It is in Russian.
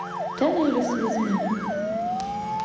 ten years with me